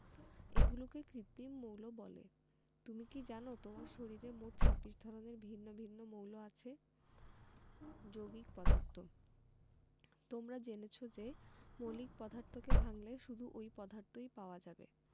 এগুলোকে কৃত্রিম মৌল বলে তুমি কি জানো তোমার শরীরে মোট ২৬ ধরনের ভিন্ন ভিন্ন মৌল আছে যৌগিক পদার্থ তোমরা জেনেছ যে মৌলিক পদার্থকে ভাঙলে শুধু ঐ পদার্থই পাওয়া যাবে